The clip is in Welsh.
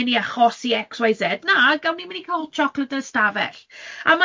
mynd i achosi X, Y, Z. Na, gawn ni mynd i cael hot chocolate yn y 'stafell.